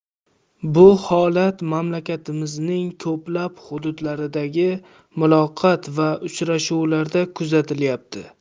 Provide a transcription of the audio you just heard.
bu holat mamlakatimizning ko'plab hududlaridagi muloqot va uchrashuvlarda kuzatilyapti